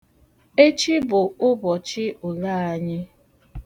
Echi bụ ụbọchị ule anyị.